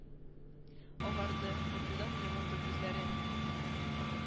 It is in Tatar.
Агарды; куркудан йомылды күзләре.